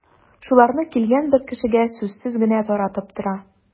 Шуларны килгән бер кешегә сүзсез генә таратып тора.